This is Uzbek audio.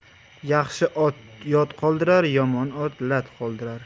yaxshi ot yod qoldirar yomon ot lat qoldirar